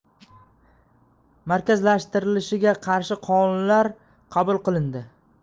markazlashtirilishiga qarshi qonunlar qabul qilindi